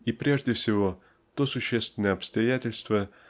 и прежде всего то существенное обстоятельство